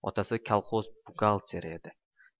otasi kolxoz buxgalteri edi